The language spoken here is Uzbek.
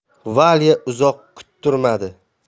valya uzoq kuttirmadi